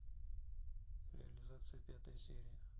реализация пятая серия